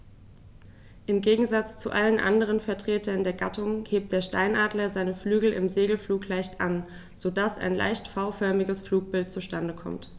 Im Gegensatz zu allen anderen Vertretern der Gattung hebt der Steinadler seine Flügel im Segelflug leicht an, so dass ein leicht V-förmiges Flugbild zustande kommt.